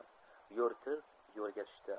yo'rtib yo'lga tushdi